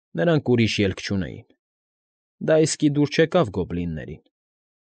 Նրանք ուրիշ ելք չունեին։ Դա իսկի դուր չեկավ գոբլիններին։